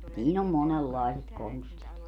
siinä on monenlaiset konstit